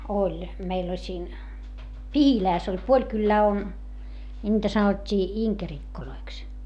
oli meillä oli siinä Pihilässä oli puoli kylää on niitä sanottiin inkerikoiksi